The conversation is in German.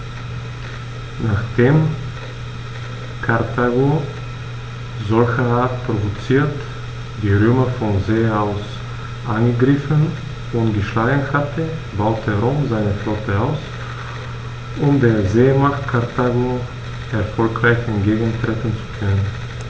Nachdem Karthago, solcherart provoziert, die Römer von See aus angegriffen und geschlagen hatte, baute Rom seine Flotte aus, um der Seemacht Karthago erfolgreich entgegentreten zu können.